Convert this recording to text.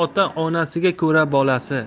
ota onasiga ko'ra bolasi